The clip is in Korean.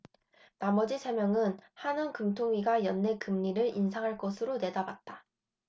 나머지 세 명은 한은 금통위가 연내 금리를 인상할 것으로 내다봤다